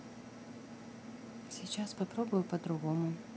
сейчас попробую по другому